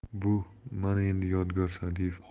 bu 'mana endi yodgor sa'diyev